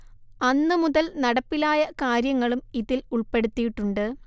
അന്നുമുതൽ നടപ്പിലായ കാര്യങ്ങളും ഇതിൽ ഉൾപ്പെടുത്തിയിട്ടുണ്ട്